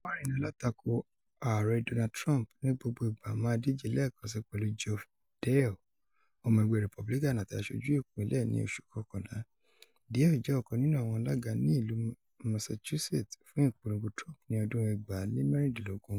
Warren, alátakò Ààrẹ Donald Trump ní gbogbo ìgbà, máa díjẹ lẹ́ẹ̀kan si pẹ̀lú Geoff Diehl , ọmọ ẹgbẹ́ Republican àti aṣojú ìpínlẹ̀ ní oṣù kọkànlá. Diehl jẹ́ ọ̀kan nínú àwọn alága ní ìlú Massachusetts fún ìpolongo Trump ní 2016.